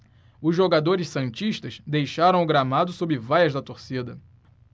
os jogadores santistas deixaram o gramado sob vaias da torcida